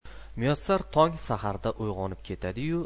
muyassar tong saharda uyg'onib ketadi yu